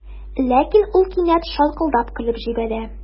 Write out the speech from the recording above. Ләкин ул кинәт шаркылдап көлеп җибәрә.